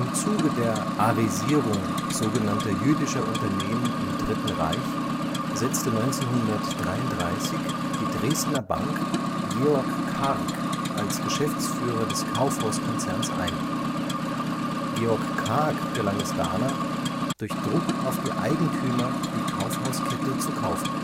Zuge der „ Arisierung “sogenannter jüdischer Unternehmen im Dritten Reich setzte 1933 die Dresdner Bank Georg Karg als Geschäftsführer des Kaufhauskonzerns ein. Georg Karg gelang es danach, durch Druck auf die Eigentümer die Kaufhauskette kaufen